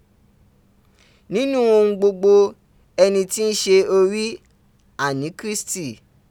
ninu ohun gbogbo, Eni ti i se ori, ani Kirisiti.